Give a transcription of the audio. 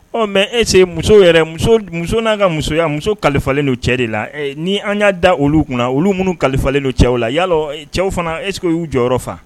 Ɔ mɛ ese musow yɛrɛ muso n'a ka muso yya muso kalifalen don cɛ de la ni an y'a da olu kunna olu minnu kalifa don cɛw la ya cɛw fana ese y'u jɔyɔrɔ faga